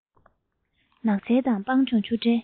ནགས ཚལ དང སྤང ཐང ཆུ ཕྲན